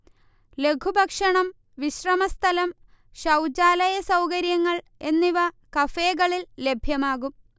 ലഘുഭക്ഷണം, വിശ്രമസ്ഥലം, ശൗചാലയ സൗകര്യങ്ങൾ എന്നിവ കഫേകളിൽ ലഭ്യമാകും